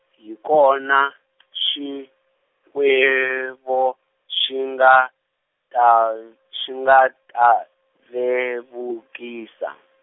hi kona , xigwevo xi nga, ta xi nga ta, vevukisa.